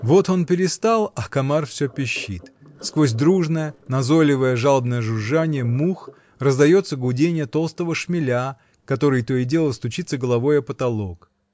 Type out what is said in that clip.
Вот он перестал, а комар все пищит: сквозь дружное, назойливо жалобное жужжанье мух раздается гуденье толстого шмеля, который то и дело стучится головой о потолок